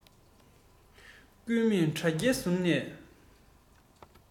སྐུད མེད དྲ རྒྱའི ཟུར ནས